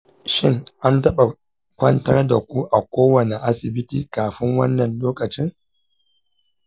shin an taɓa kwantar da ku a kowane asibiti kafin wannan lokacin?